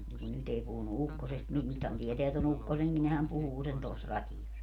mutta nyt ei puhunut ukkosesta mutta nythän tietää tuon ukkosenkin nehän puhuu sen tuossa radiossa